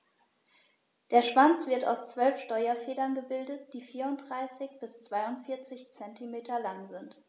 Der Schwanz wird aus 12 Steuerfedern gebildet, die 34 bis 42 cm lang sind.